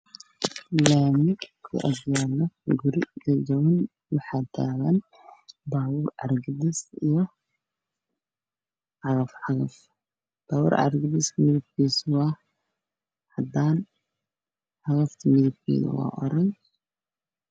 Meeshaan waxaa ka muuqdo laami ku agyaalo guri jajaban